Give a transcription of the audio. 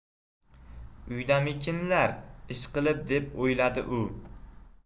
uydamikinlar ishqilib deb o'yladi u